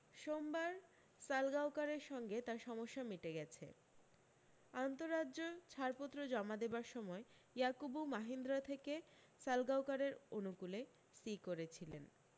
সোমবার সালগাওকরের সঙ্গে তার সমস্যা মিটে গেছে আন্তরাজ্য ছাড়পত্র জমা দেবার সময় ইয়াকুবু মাহিন্দ্রা থেকে সালগাওকরের অনুকূলে সি করেছিলেন